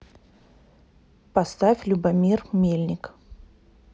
поставь любомир мельник